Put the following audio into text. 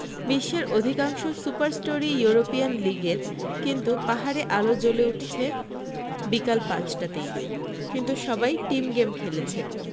বিশ্বের অধিকাংশ সুপারস্টরি ইউরোপিয়ান লিগের কিন্তু পাহাড়ে আলো জ্বলে উঠছে বিকাল পাঁচটাতেই কিন্তু সবাই টিম গেম খেলেছে